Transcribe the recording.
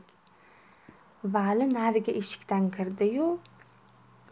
vali narigi eshikdan kirdi yu